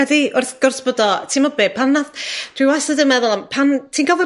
Ydi, wrth gwrs bod o. Ti'mo' be? Pan nath dwi i wastad yn meddwl am pan ti'n cofio